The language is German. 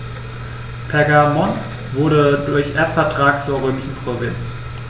Pergamon wurde durch Erbvertrag zur römischen Provinz.